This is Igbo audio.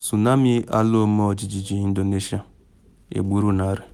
Tsunami ala ọmajiji Indonesia: egburu narị